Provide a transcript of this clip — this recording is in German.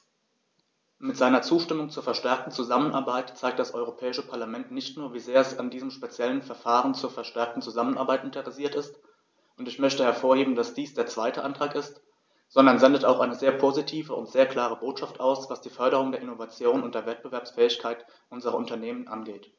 Mit seiner Zustimmung zur verstärkten Zusammenarbeit zeigt das Europäische Parlament nicht nur, wie sehr es an diesem speziellen Verfahren zur verstärkten Zusammenarbeit interessiert ist - und ich möchte hervorheben, dass dies der zweite Antrag ist -, sondern sendet auch eine sehr positive und sehr klare Botschaft aus, was die Förderung der Innovation und der Wettbewerbsfähigkeit unserer Unternehmen angeht.